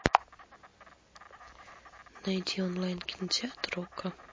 найди онлайн кинотеатр окко